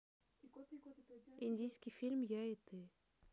индийский фильм я и ты